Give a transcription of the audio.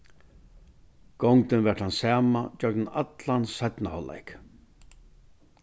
gongdin var tann sama gjøgnum allan seinna hálvleik